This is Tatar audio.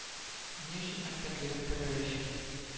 Ни өчен мәктәп директоры Рәшит